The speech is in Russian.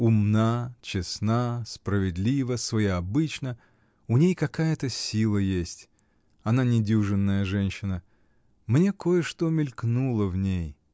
Умна, честна, справедлива, своеобычна: у ней какая-то сила есть. Она недюжинная женщина. Мне кое-что мелькнуло в ней.